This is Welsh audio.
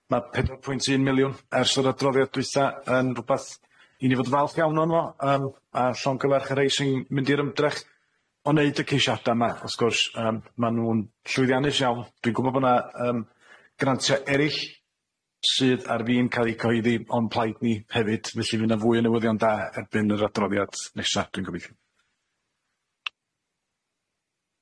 Ma' pedwar pwynt un miliwn ers yr adroddiad dwytha yn rwbath i ni fod yn falch iawn onno yym a llongyfarch y rei sy'n mynd i'r ymdrech o wneud y ceisiada 'ma wrth gwrs yym ma nw'n llwyddiannus iawn, dwi'n gwbo bo 'na yym grantia eryll sydd ar fin ca'l 'u cyhoeddi on plaid ni hefyd felly fydd 'na fwy o newyddion da erbyn yr adroddiad nesa dwi'n gobeithio.